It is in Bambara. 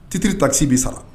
Ttiri ta si bɛ sara